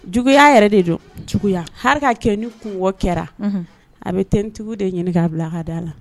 Juguya yɛrɛ de don juguya kɛ ni kun kɛra a bɛ ttigiw de ɲini k'a bila a ka da la